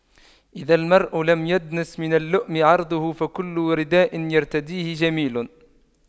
إذا المرء لم يدنس من اللؤم عرضه فكل رداء يرتديه جميل